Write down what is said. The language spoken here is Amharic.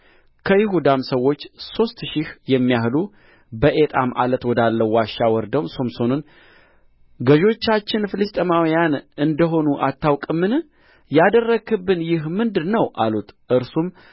ከይሁዳም ሰዎች ሦስት ሺህ የሚያህሉ በኤጣም ዓለት ወዳለው ዋሻ ወርደው ሶምሶንን ገዦቻችን ፍልስጥኤማውያን እንደ ሆኑ አታውቅምን ያደረግህብን ይህ ምንድር ነው አሉት እርሱም